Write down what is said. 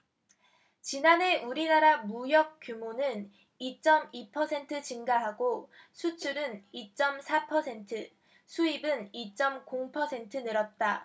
지난해 우리나라 무역 규모는 이 쩜 이 퍼센트 증가하고 수출은 이 쩜 사 퍼센트 수입은 이 쩜 공 퍼센트 늘었다